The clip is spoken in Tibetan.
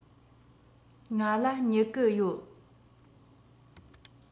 ང ལ སྨྱུ གུ ཡོད